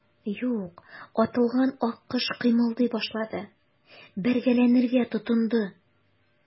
Юк, атылган аккош кыймылдый башлады, бәргәләнергә тотынды.